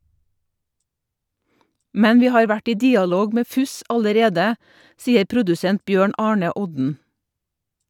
Men vi har vært i dialog med Fuzz allerede, sier produsent Bjørn Arne Odden.